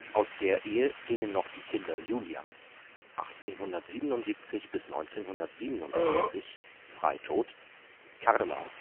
Aus der Ehe gingen noch die Kinder Julia (1877 – 1927, Freitod), Carla